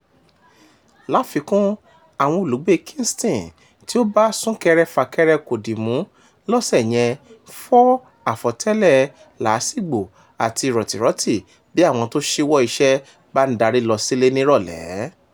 Láfikún, àwọn olùgbée Kingston, tí ó bá súnkẹrẹ fàkẹrẹ kòdìmú lọ́sẹ̀ yẹn, fọ àfọ̀tẹ́lẹ̀ làásìgbò àti rọ̀tìrọti bí àwọn tó ṣíwọ́ iṣẹ́ bá ń darí lọ sílé nírọ̀lẹ́.